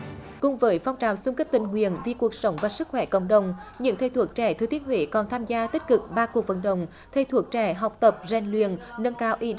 cùng với phong trào xung kích tình nguyện vì cuộc sống và sức khỏe cộng đồng những thầy thuốc trẻ thừa thiên huế còn tham gia tích cực ba cuộc vận động thầy thuốc trẻ học tập rèn luyện nâng cao y